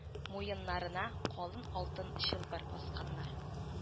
Муеннарына калын алтын чылбыр асканнар